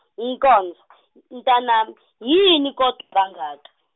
Nkonzo , mntanami, yini kodwa kangaka.